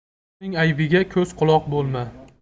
birovning aybiga ko'z quloq bo'lma